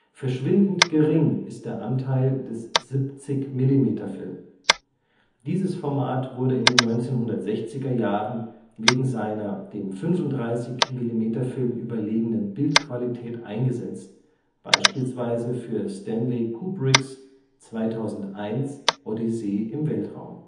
Verschwindend gering ist der Anteil des 70-mm-Film. Dieses Format wurde in den 1960er Jahren wegen seiner dem 35-mm-Film überlegenen Bildqualität eingesetzt, beispielsweise für Stanley Kubricks 2001: Odyssee im Weltraum